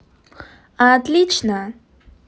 отлично